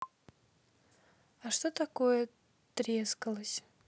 а что это такое трескалось